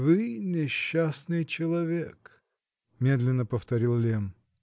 -- Вы несчастный человек, -- медленно повторил Лемм.